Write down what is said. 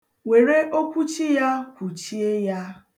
Were okwuchi ya kwuchie ya.